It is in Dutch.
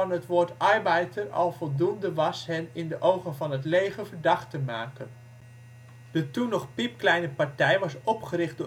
het woord ' Arbeiter ' al voldoende was hen in de ogen van het leger verdacht te maken. De toen nog piepkleine partij was opgericht